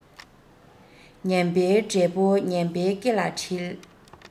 ངན པའི འབྲས བུ ངན པའི སྐེ ལ འཁྲིལ